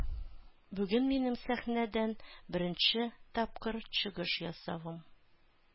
Бүген минем сәхнәдән беренче тапкыр чыгыш ясавым.